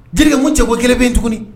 Jerika mun cɛwo kelen bɛ tuguni